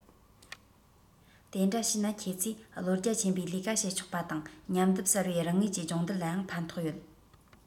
དེ འདྲ བྱས ན ཁྱེད ཚོས བློ རྒྱ ཆེན པོས ལས ཀ བྱེད ཆོག པ དང མཉམ སྡེབ གསར པའི རང ངོས ཀྱི སྦྱོང བརྡར ལ ཡང ཕན ཐོགས ཡོད